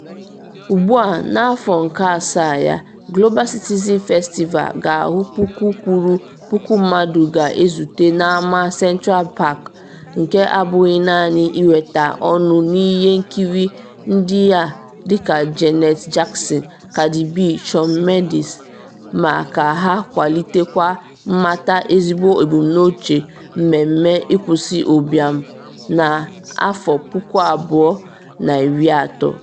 Ugbu a n’afọ nke asaa ya, Global Citizen Festival ga-ahụ puku kwụrụ puku mmadụ ga-ezute na Ama Central Park, nke abụghị naanị inweta ọṅụ n’ihe nkiri ndị a dịka Janet Jackson, Cardi B, Shawn Mendes, ma ka ha kwalitekwa mmata ezigbo ebumnuche mmemme ịkwụsị ụbịam na 2030.